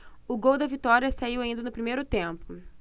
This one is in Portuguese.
o gol da vitória saiu ainda no primeiro tempo